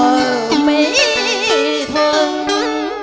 bến bên kia bờ mỹ thuận